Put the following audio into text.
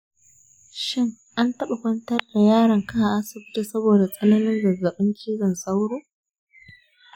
shin an taɓa kwantar da yaronka a asibiti saboda tsananin zazzabin cizon sauro?